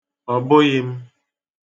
Ọ bụghị m.